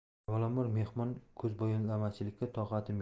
avvalambor mehmon ko'zbo'yamachilikka toqatim yo'q